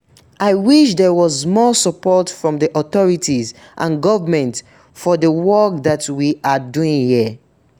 I wish there was more support from the authorities and government for the work that we are doing here.